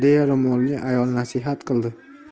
deya ro'molli ayol nasihat qildi